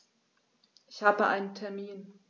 Ich habe einen Termin.